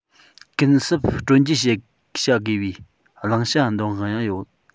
གུན གསབ སྤྲོད འཇལ བྱ དགོས པའི བླང བྱ འདོན དབང ཡང ཡོད